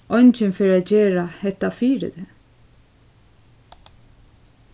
eingin fer at gera hetta fyri teg